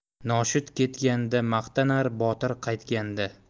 noshud ketganda maqtanar botir qaytganda